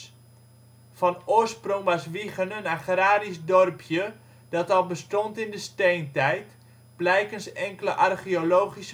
oorsprong was Wijchen een agrarisch dorpje dat al bestond in de Steentijd, blijkens enkele archeologische vondsten